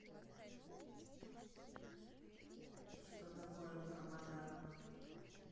что такое провода